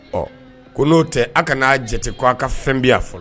Ɔ ko no tɛ a kana jate ka ka fɛn bi yan fɔlɔ.